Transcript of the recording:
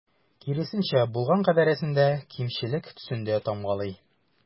Киресенчә, булган кадәресен дә кимчелек төсендә тамгалый.